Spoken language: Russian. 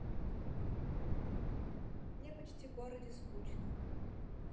мне почти городе скучно